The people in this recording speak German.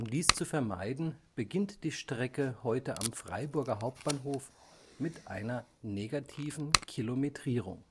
dies zu vermeiden, beginnt die Strecke heute am Freiburger Hauptbahnhof mit einer negativen Kilometrierung